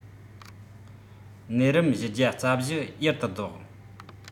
ནད རིམས བཞི བརྒྱ རྩ བཞི ཡུལ དུ བཟློག